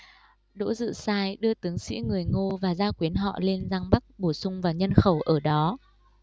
đỗ dự sai đưa tướng sĩ người ngô và gia quyến họ lên giang bắc bổ sung vào nhân khẩu ở đó